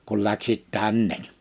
kun lähti tänne